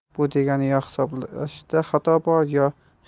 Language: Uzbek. bu degani yo hisoblashda xato bor yo